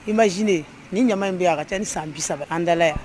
I ma zinine ni ɲama min bɛ yan a ka taa ni san bi saba an dala yan